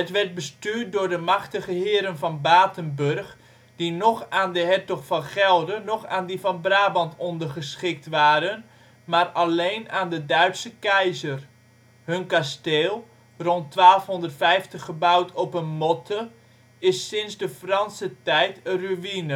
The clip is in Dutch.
werd bestuurd door de machtige Heren van Batenburg, die noch aan de hertog van Gelre noch aan die van Brabant ondergeschikt waren, maar alleen aan de Duitse keizer. Hun kasteel, rond 1250 gebouwd op een motte, is sinds de Franse tijd een